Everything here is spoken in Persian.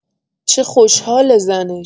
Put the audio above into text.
چه خوشحاله زنش.